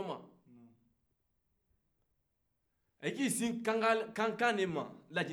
ayi ki sin kankan le ma laginɛ kankan